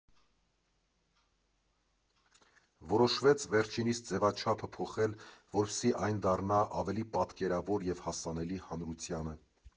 Որոշվեց վերջինիս ձևաչափը փոխել, որպեսզի այն դառնա ավելի պատկերավոր և հասանելի հանրությանը։